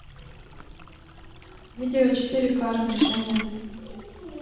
видео четыре к разрешение